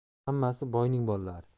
hammasi boyning bolalari